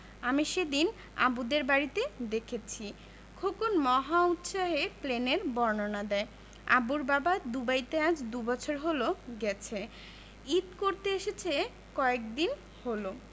আমি সেদিন আবুদের বাড়িতে দেখেছি খোকন মহা উৎসাহে প্লেনের বর্ণনা দেয় আবুর বাবা দুবাইতে আজ দুবছর হলো গেছে ঈদ করতে এসেছে কয়েকদিন হলো